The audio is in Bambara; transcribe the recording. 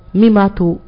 Min ma to